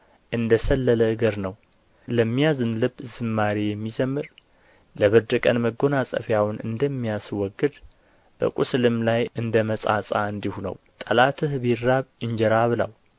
እንደ ተሰበረ ጥርስና እንደ ሰለለ እግር ነው ለሚያዝን ልብ ዝማሬ የሚዘምር ለብርድ ቀን መጐናጸፊያውን እንደሚያስወግድ በቍስልም ላይ እንደ መጻጻ እንዲሁ ነው ጠላትህ ቢራብ እንጀራ አብላው